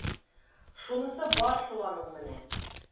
Шунысы бар шул аның менә! ..